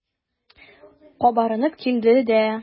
Кабарынып килде дә.